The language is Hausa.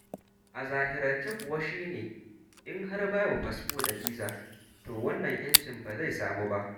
A zahirance kuwa shi ne in har babu fasfo da biza, to wannan 'yancin ba zai samu ba.